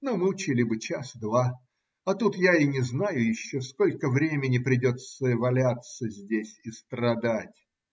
Ну, мучили бы час, два, а тут я и не знаю еще, сколько времени придется валяться здесь и страдать.